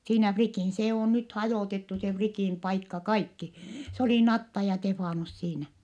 siinä Frikin se on nyt hajotettu se Frikin paikka kaikki se oli Natta ja Stefanus siinä